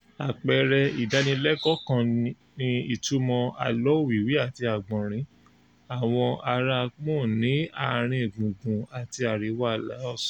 Àpẹẹrẹ ìdánilẹ́kọ̀ọ́ kan ni ìtúnsọ àlọ́ Òwìwí àti Àgbọ̀nrín àwọn aráa Kmhmu ní àárín gbùngbùn àti àríwá Laos.